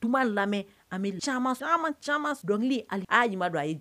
Tuma lamɛnaa s camanma dɔnkili ali a